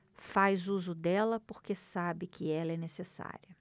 faz uso dela porque sabe que ela é necessária